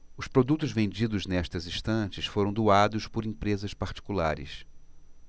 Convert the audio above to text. os produtos vendidos nestas estantes foram doados por empresas particulares